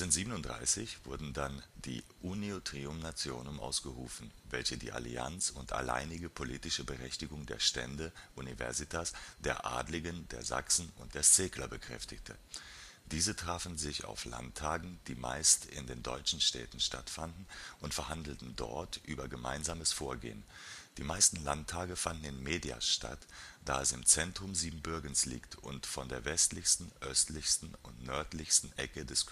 1437 wurden dann die Unio Trium Nationum ausgerufen, welche die Allianz und alleinige politische Berechtigung der Stände (Universitas) der Adligen, der Sachsen und der Székler bekräftigte. Diese trafen sich auf Landtagen, die meist in den deutschen Städten stattfanden und verhandeltenen dort über gemeinsames Vorgehen. Die meisten Landtage fanden in Mediasch statt, da es im Zentrum Siebenbürgens liegt und von der westlichsten, östlichsten und nördlichsten Ecke des